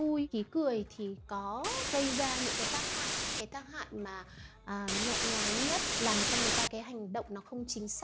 khí cười thì có gây ra những cái tác hại nhẹ nhàng nhất là làm cho hành động của người ta không được chính xác